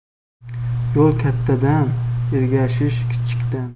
yo'l kattadan ergashish kichikdan